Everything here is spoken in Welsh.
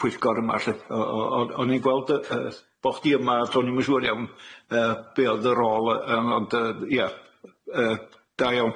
pwyllgor yma lly o- o- o- o'n i'n gweld yy bo' chdi yma so o'n i'm yn siŵr iawn yy be' o'dd dy rôl yy yym ond yy ia yy da iawn.